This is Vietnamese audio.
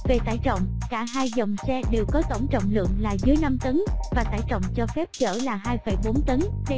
về tải trọng cả dòng xe đều có tổng trọng lượng là dưới tấn và tải trọng cho phép chở là tấn